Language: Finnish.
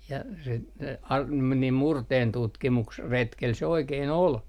ja sitten se - meni - murteentutkimusretkellä se oikein oli